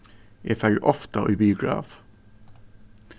eg fari ofta í biograf